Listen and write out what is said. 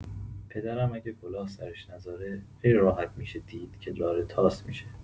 پدرم اگه کلاه سرش نذاره، خیلی راحت می‌شه دید که داره طاس می‌شه.